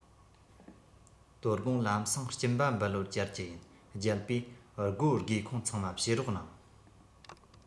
དོ དགོང ལམ སེང སྐྱིན པ འབུལ བར བཅར གྱི ཡིན རྒྱལ པོས སྒོ སྒེའུ ཁུང ཚང མ ཕྱེ རོགས གནང